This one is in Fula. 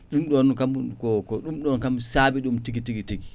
ɗum ɗon kam ko ko ɗum ɗon kam saabi ɗum tigui tigui tigui